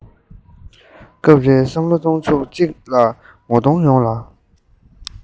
སྐབས རེ བསམ བློ གཏོང ཕྱོགས གཅིག ལ ངོ གདོང ཡོངས ལ